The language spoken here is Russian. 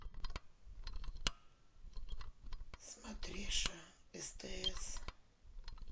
смотреша стс